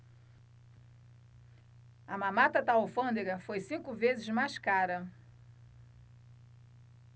a mamata da alfândega foi cinco vezes mais cara